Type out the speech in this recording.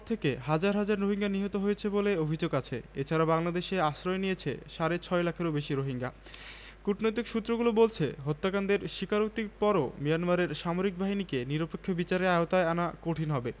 ঊষার দুয়ারে হানি' আঘাত আমরা আনিব রাঙা প্রভাত আমরা টুটাব তিমির রাত বাধার বিন্ধ্যাচল নব নবীনের গাহিয়া গান সজীব করিব মহাশ্মশান আমরা দানিব নতুন প্রাণ বাহুতে নবীন বল চল রে নও জোয়ান